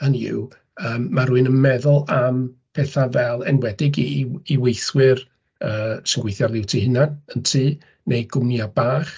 Hynny yw, yym ma' rywun yn meddwl am petha fel, enwedig i i i weithwyr sy'n gweithio ar liwt eu hunain yn tŷ neu gwmnïau bach...